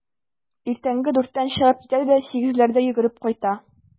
Иртәнге дүрттән чыгып китә дә сигезләрдә йөгереп кайта.